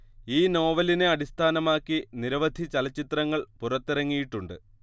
ഈ നോവലിനെ അടിസ്ഥാനമാക്കി നിരവധി ചലച്ചിത്രങ്ങൾ പുറത്തിറങ്ങിയിട്ടുണ്ട്